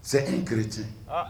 c'est un chrétien ah !